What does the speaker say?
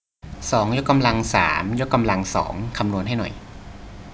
สองยกกำลังสามยกกำลังสองคำนวณให้หน่อย